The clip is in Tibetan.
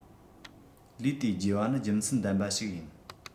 ལས དུས བརྗེ བ ནི རྒྱུ མཚན ལྡན པ ཞིག ཡིན